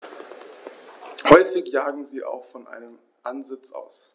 Häufig jagen sie auch von einem Ansitz aus.